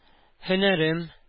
Һөнәрем